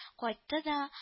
Кайтты да